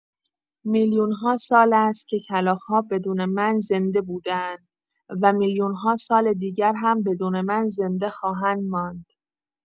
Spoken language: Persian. میلیون‌ها سال است که کلاغ‌ها بدون من زنده بوده‌اند و میلیون‌ها سال دیگر هم بدون من زنده خواهند ماند.